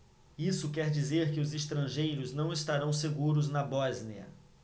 isso quer dizer que os estrangeiros não estarão seguros na bósnia